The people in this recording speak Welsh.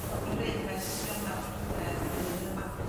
dod i rym ers Ionawr yrm y flwyddyn yma.